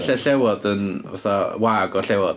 Lle llewod yn fatha wag o'r llewod.